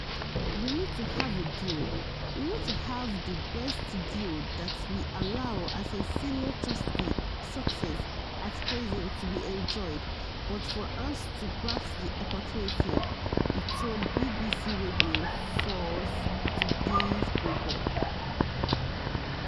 "We need to have a deal. We want to have the best deal that will allow as I say not just the success at present to be enjoyed but for us to grasp this opportunity," he told BBC Radio 4's Today program.